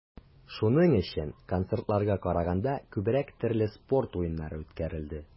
Шуның өчен, концертларга караганда, күбрәк төрле спорт уеннары үткәрелде.